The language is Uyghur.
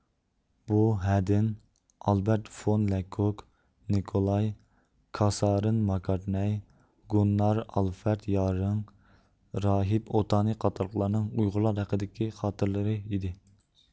بۇ ھەدىن ئالبەرت فون لەكوك نىكولاي كاسەرىن ماكارتنەي گۇننار ئالفەرد ياررىڭ راھىب ئوتانى قاتارلىقلارنىڭ ئۇيغۇرلار ھەققىدىكى خاتىرىلىرى ئىدى